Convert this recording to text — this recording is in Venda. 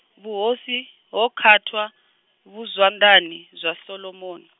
vhuhosi, ho khwaṱha , vhu zwanḓani, zwa Solomoni.